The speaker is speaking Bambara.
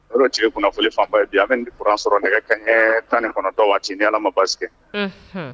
O de tun ye kunnafoni fanba ye bi an be courant sɔrɔ nɛgɛ kaɲɛɛ 19 waati ni Ala ma baasi kɛ unhun